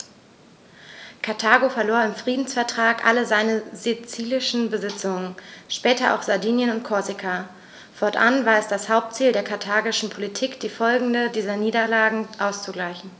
Karthago verlor im Friedensvertrag alle seine sizilischen Besitzungen (später auch Sardinien und Korsika); fortan war es das Hauptziel der karthagischen Politik, die Folgen dieser Niederlage auszugleichen.